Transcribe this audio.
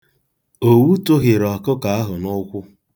Owu tụhịrị ọkụkọ ahụ n'ụkwụ.